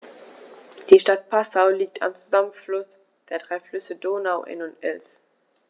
Die Stadt Passau liegt am Zusammenfluss der drei Flüsse Donau, Inn und Ilz.